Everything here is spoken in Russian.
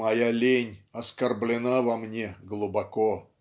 "Моя лень оскорблена во мне глубоко"